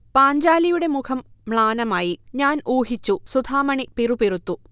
പാഞ്ചാലിയുടെ മുഖം മ്ളാനമായി, 'ഞാൻ ഊഹിച്ചു' ,സുധാമണി പിറുപിറുത്തു